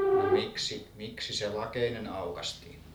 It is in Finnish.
no miksi miksi se lakeinen aukaistiin